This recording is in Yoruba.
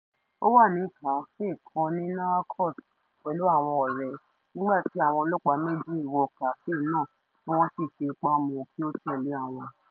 Ó wà ní kàféè kan ní Nouakchott pẹ̀lú àwọn ọ̀rẹ́, nígbà tí àwọn ọlọ́pàá méjì wọ kàféè náà tí wọ́n sì fi ipá mú kí ó tẹ̀lé àwọn.